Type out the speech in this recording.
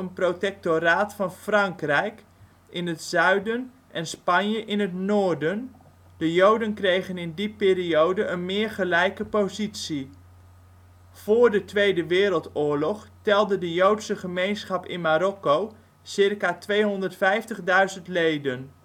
protectoraat van Frankrijk in het zuiden en Spanje in het noorden, de Joden kregen in die periode een meer gelijke positie. Voor de Tweede Wereldoorlog telde de Joodse gemeenschap in Marokko ca. 250.000 leden